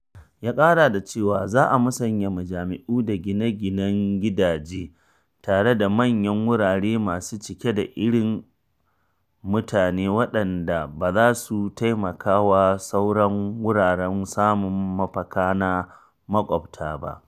Ya ƙara da cewa, za a musanya majami’u da gine-ginen gidaje tare da manyan wurare masu cike da irin mutane waɗanda ba za su taimaka wa sauran wuraren samun mafaka na makwaɓta ba.